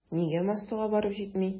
Нигә массага барып җитми?